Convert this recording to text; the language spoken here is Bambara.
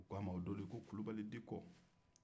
u ko a ma o don ko kulubali dikɔ